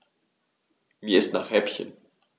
Mir ist nach Häppchen.